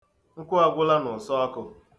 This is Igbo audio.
Nkụ agwụla n'ụsọọkụ.